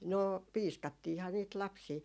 no piiskattiinhan niitä lapsia